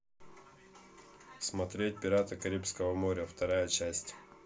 смотреть пираты карибского моря вторая часть